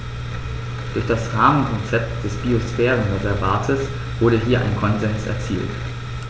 Durch das Rahmenkonzept des Biosphärenreservates wurde hier ein Konsens erzielt.